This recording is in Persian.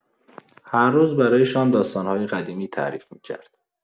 هر روز برایشان داستان‌های قدیمی تعریف می‌کرد.